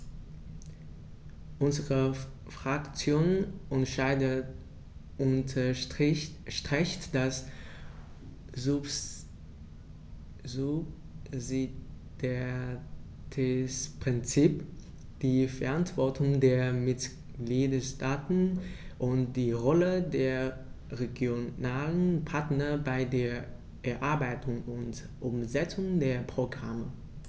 Unsere Fraktion unterstreicht das Subsidiaritätsprinzip, die Verantwortung der Mitgliedstaaten und die Rolle der regionalen Partner bei der Erarbeitung und Umsetzung der Programme.